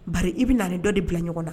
Bari i bi na ani dɔ de bila ɲɔgɔn na